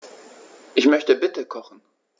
Ich möchte bitte kochen.